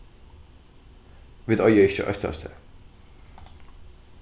vit eiga ikki at óttast tað